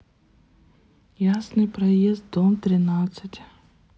ясный проезд дом тринадцать